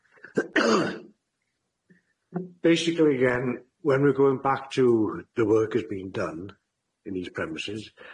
Basically erm, when we're going back to the work that has been done in these premises,